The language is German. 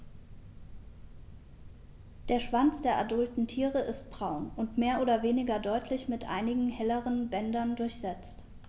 Der Schwanz der adulten Tiere ist braun und mehr oder weniger deutlich mit einigen helleren Bändern durchsetzt.